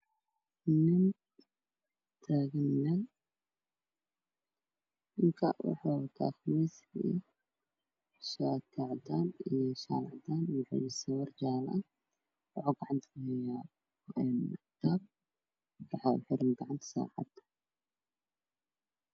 Waxaa ii muuqda gurigad ah qolka waxaa ku jira nin oday ah oo wato os fannaanadkoofi cimaamad iyo kitaab quraana gacanta ku haysto gadaalna waxaa ka xiga muraayad iyo marwaxad